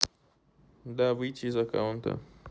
да выйти из аккаунта